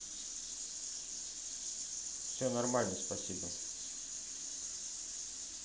все нормально спасибо